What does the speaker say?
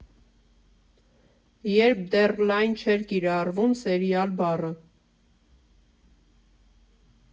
Երբ դեռ լայն չէր կիրառվում «սերիալ» բառը։